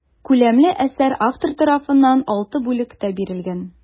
Күләмле әсәр автор тарафыннан алты бүлектә бирелгән.